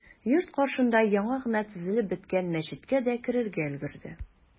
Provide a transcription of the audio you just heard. Йорт каршында яңа гына төзелеп беткән мәчеткә дә керергә өлгерде.